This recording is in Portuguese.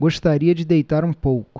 gostaria de deitar um pouco